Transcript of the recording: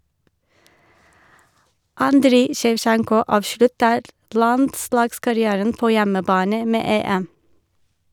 Andrij Sjevtsjenko avslutter landslagskarrieren på hjemmebane - med EM.